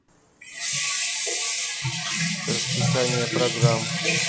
расписание программ